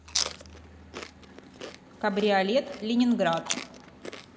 кабриолет ленинград